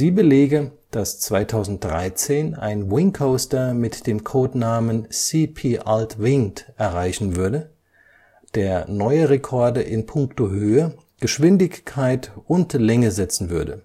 belege, dass 2013 ein Wing Coaster mit dem Codenamen „ CP Alt. Winged “errichtet werden würde, der neue Rekorde in puncto Höhe, Geschwindigkeit und Länge setzen würde